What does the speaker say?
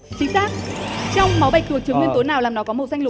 chính xác trong máu bạch tuộc chứa nguyên tố nào làm nó có màu xanh lục